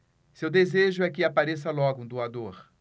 seu desejo é de que apareça logo um doador